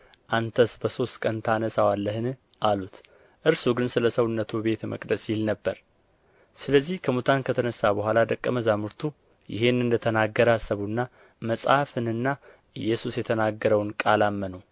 አንተስ በሦስት ቀን ታነሣዋለህን አሉት እርሱ ግን ስለ ሰውነቱ ቤተ መቅደስ ይል ነበር ስለዚህ ከሙታን ከተነሣ በኋላ ደቀ መዛሙርቱ ይህን እንደ ተናገረ አሰቡና መጽሐፍንና ኢየሱስ የተናገረውን ቃል አመኑ